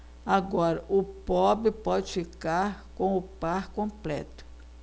agora o pobre pode ficar com o par completo